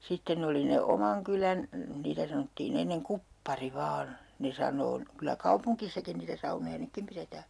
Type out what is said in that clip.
sitten oli ne oman kylän niitä sanottiin ennen kuppari vain ne sanoo nyt kyllä kaupungissakin niitä saunoja nytkin pidetään